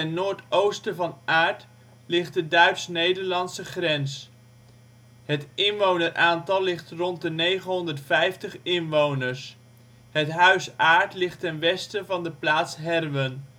noordoosten van Aerdt ligt de Duitse-Nederlandse grens. Het inwonersaantal ligt rond de 950 inwoners. Het Huis Aerdt ligt ten westen van de plaats Herwen